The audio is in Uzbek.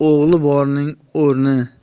bor o'g'li borning o'rni